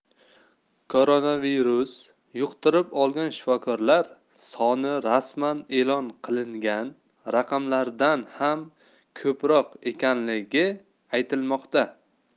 koronavirus yuqtirib olgan shifokorlar soni rasman e'lon qilingan raqamlardan ham ko'proq ekanligi aytilmoqda